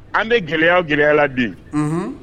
An bɛ gɛlɛya gɛlɛyala don